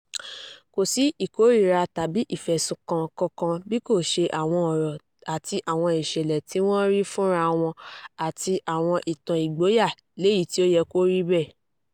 Kò sì ìkórìíra tàbí ìfẹ̀sùnkàn kankan, bí kò ṣe àwọn ọ̀rọ̀ àti àwọn ìṣẹ̀lẹ̀ tí wọ́n rí fúnra wọn àti àwọn ìtàn ìgboyà lèyí tí ó yẹ kí ó rí bẹ́ẹ̀.